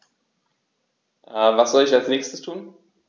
Was soll ich als Nächstes tun?